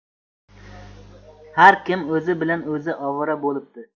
har kim o'zi bilan o'zi ovora bo'libdi